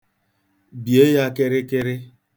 Bie ya kịrịkịrị.